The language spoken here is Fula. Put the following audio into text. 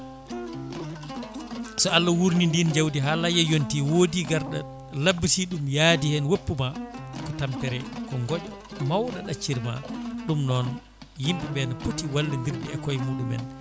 so Allah wurni ndin jawdi ha layya yonti woodi garɗo labbiti ɗum yaadi hen woppuma ko tampere ko gooƴa mawɗo ɗaccirma ɗum noon yimɓeɓe ne pooti wallodirde e kooye muɗumen